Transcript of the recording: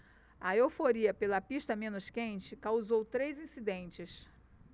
a euforia pela pista menos quente causou três incidentes